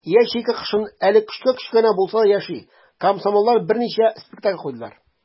Ячейка кышын әле көчкә-көчкә генә булса да яши - комсомоллар берничә спектакль куйдылар.